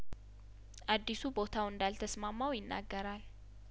አዲሱ ቦታው እንዳል ተስማማው ይናገራል